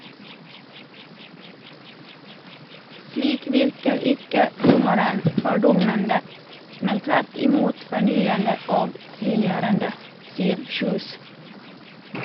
Slik virker ikke humoren fordummende, men tvert imot fornyende og frigjørende, sier Kjus.